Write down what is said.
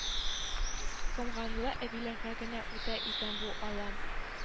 Комганлы әбиләргә генә үтә икән бу алым